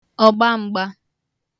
ọgbam̄gba